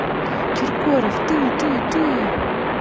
киркоров ты ты ты